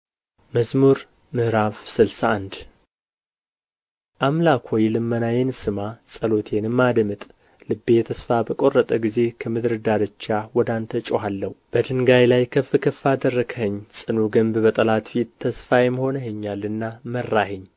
መዝሙር ስልሳ አንድ አምላክ ሆይ ልመናዬን ስማ ጸሎቴንም አድምጥ ልቤ ተስፋ በቈረጠ ጊዜ ከምድር ዳርቻ ወደ አንተ እጮኻለሁ በድንጋይ ላይ ከፍ ከፍ አደረግኸኝ ጽኑ ግንብ በጠላት ፊት ተስፋዬም ሆነኸኛልና መራኸኝ